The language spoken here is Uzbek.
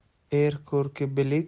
er ko'rki bilik